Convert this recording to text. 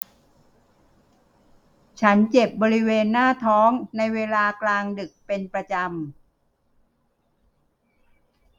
ฉันเจ็บบริเวณหน้าท้องในเวลากลางดึกเป็นประจำ